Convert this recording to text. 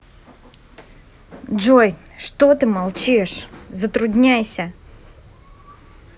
джой что ты молчишь затрудняйся